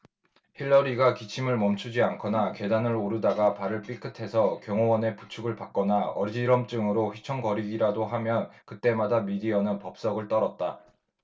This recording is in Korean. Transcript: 힐러리가 기침을 멈추지 않거나 계단을 오르다가 발을 삐끗해서 경호원의 부축을 받거나 어지럼증으로 휘청거리기라도 하면 그 때마다 미디어는 법석을 떨었다